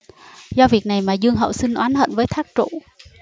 do việc này mà dương hậu sinh oán hận với thác trụ